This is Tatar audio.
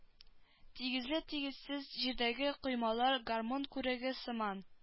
Тигезле-тигезсез җирдәге коймалар гармун күреге сыман